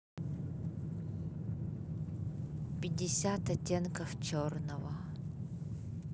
пятьдесят оттенков черного